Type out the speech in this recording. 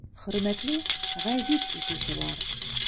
Хөрмәтле гәзит укучылар!